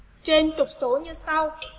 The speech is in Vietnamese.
trên trục số như sau